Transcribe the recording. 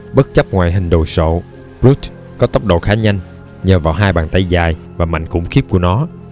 bất chấp ngoại hình đồ sộ brute có tốc độ khá nhanh nhờ vào hai bàn tay dài và mạnh khủng khiếp của nó